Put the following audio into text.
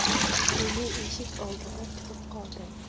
guli eshik oldida turib qoldi